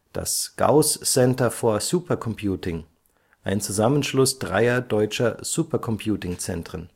das Gauß Centre for Supercomputing, ein Zusammenschluss dreier deutscher Supercomputing-Zentren